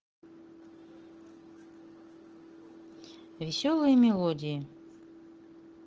веселые мелодии